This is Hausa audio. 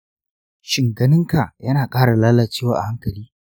shin ganinka yana ƙara lalacewa a hankali?